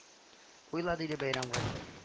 Уйла, — диде Бәйрәмгали. —